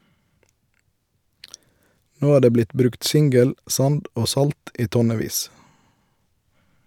Nå er det blitt brukt singel, sand og salt i tonnevis.